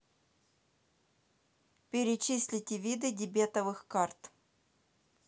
перечислите виды дебетовых карт